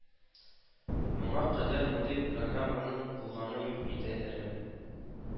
Моңа кадәр мондый программаның булганы юк иде әле